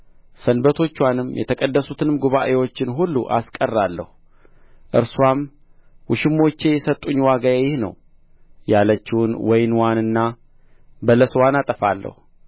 ሰንበቶችዋንም የተቀደሱትንም ጉባኤዎችን ሁሉ አስቀራለሁ እርስዋም ውሽሞቼ የሰጡኝ ዋጋዬ ይህ ነው ያለችውን ወይንዋንና በለስዋን አጠፋለሁ